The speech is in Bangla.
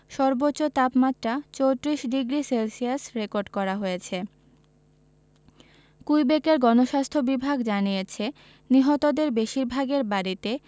সর্বোচ্চ তাপমাত্রা ৩৪ ডিগ্রি সেলসিয়াস রেকর্ড করা হয়েছে কুইবেকের গণস্বাস্থ্য বিভাগ জানিয়েছে নিহতদের বেশিরভাগের বাড়িতে